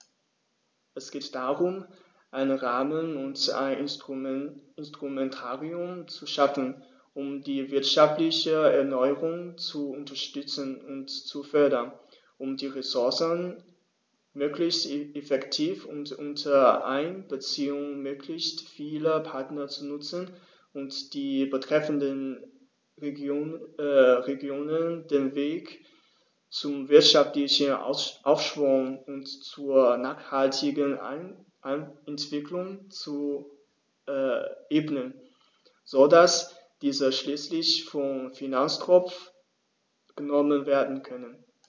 Es geht darum, einen Rahmen und ein Instrumentarium zu schaffen, um die wirtschaftliche Erneuerung zu unterstützen und zu fördern, um die Ressourcen möglichst effektiv und unter Einbeziehung möglichst vieler Partner zu nutzen und den betreffenden Regionen den Weg zum wirtschaftlichen Aufschwung und zur nachhaltigen Entwicklung zu ebnen, so dass diese schließlich vom Finanztropf genommen werden können.